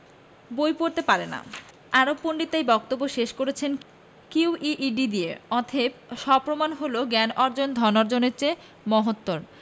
বই পড়তে পারে না আরব পণ্ডিত তাই বক্তব্য শেষ করেছেন কিউ ই ডি দিয়ে অতএব সপ্রমাণ হল জ্ঞানার্জন ধনার্জনের চেয়ে মহত্তর